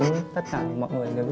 tất cả mọi người đều biết